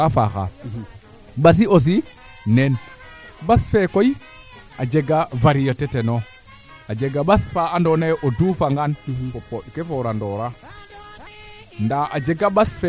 nen kaafo nena areeer nen pursiin nena kajaanga fop xooxel no ndiigo ku refna teen aussi kaa jeg periode